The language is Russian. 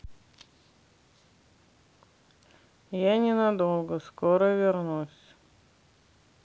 я ненадолго скоро вернусь